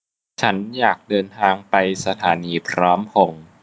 ฉันอยากเดินทางไปสถานีพร้อมพงษ์